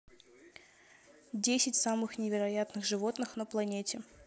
десять самых невероятных животных на планете